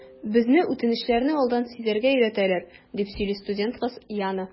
Безне үтенечләрне алдан сизәргә өйрәтәләр, - дип сөйли студент кыз Яна.